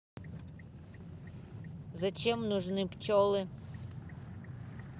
зачем нужны пчелы